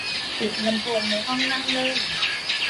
ปิดลำโพงในห้องนั่งเล่น